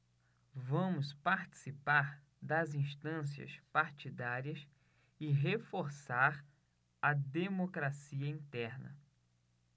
vamos participar das instâncias partidárias e reforçar a democracia interna